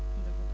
dëgg la